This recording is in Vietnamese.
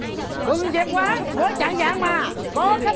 đừng dẹp quán mới chạng vạng mà có khách